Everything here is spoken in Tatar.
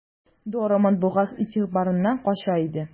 Дора матбугат игътибарыннан кача иде.